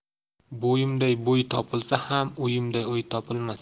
bo'yimday bo'y topilsa ham o'yimday o'y topilmas